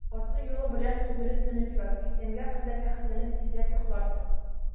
Аты-юлы белән сүгенеп менеп ят, иртәнгә кадәр рәхәтләнеп изрәп йокларсың.